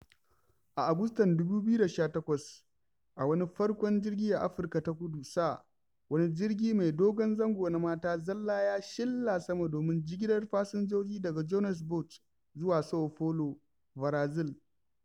A Agustan 2018, a wani farkon jirgin Afirka ta Kudu SAA, wani jirgi mai dogon zango na mata zalla ya shilla sama domin jigilar fasinjoji daga Johnnesburg zuwa Sao Paulo, Barazil.